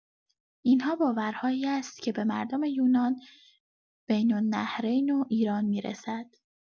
این‌ها باورهایی است که به مردم یونان، بین‌النهرین و ایران می‌رسد.